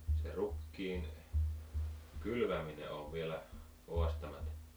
se rukiin kylväminen on vielä haastamatta